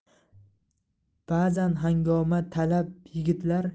bazan hangomatalab yigitlar